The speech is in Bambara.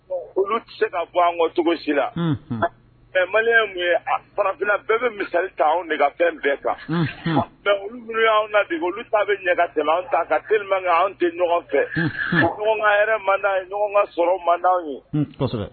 Olu tɛ se ka bɔ an cogo mali ye a fanafin bɛɛ bɛ misali ta anw nɛgɛ fɛn bɛɛ kan olu' na bi olu bɛ ta ka anw tɛ ɲɔgɔn fɛ ɲɔgɔn ka sɔrɔ manan ye